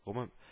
Гомүм